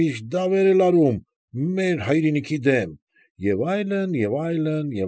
Միշտ դավեր է լարում «մեր հայրենիքի» դեմ և այլն, և այլն։